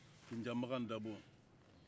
kunjamagan dabo